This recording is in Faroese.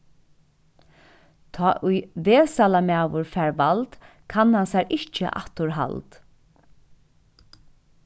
tá ið vesalamaður fær vald kann hann sær ikki afturhald